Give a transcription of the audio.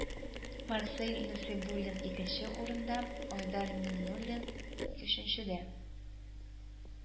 Марсель Насыйбуллин икенче урында, Айдар Миңнуллин өченчедә